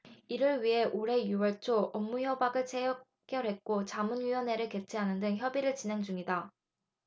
이를 위해 올해 유 월 초 업무협약을 체결했고 자문위원회를 개최하는 등 협의를 진행 중이다